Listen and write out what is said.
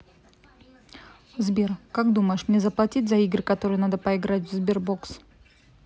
сбер как думаешь мне заплатить за игры которые надо поиграть в sberbox